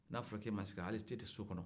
n'a fɔra ko e ma se ka hali te tɛ so kɔnɔ